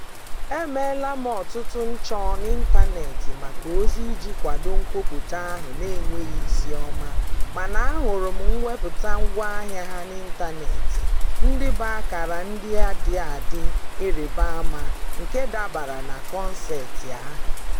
Emeela m ọtụtu nchọ n'ịntaneetị maka ozi iji kwado nkwupụta ahụ na-enweghị isiọma mana ahụrụ m mwepụta ngwaahịa ha n'ịntaneetị ndị bu ákàrà ndị a dị ịrịbaama, nke dabara na kọnseetị ahụ...